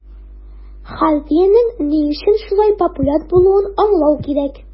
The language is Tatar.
Хартиянең ни өчен шулай популяр булуын аңлау кирәк.